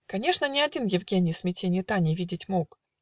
Конечно, не один Евгений Смятенье Тани видеть мог